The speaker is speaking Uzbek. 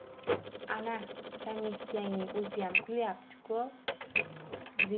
ana kamissiyangning o'ziyam kulyapti ku